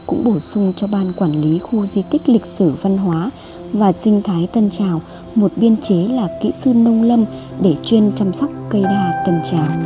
cũng bổ sung cho ban quản lý khu di tích lịch sử văn hóa và sinh thái tân trào một biên chế là kỹ sư nông lâm để chuyên chăm sóc cây đa tân trào